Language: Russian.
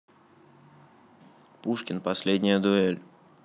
пушкин последняя дуэль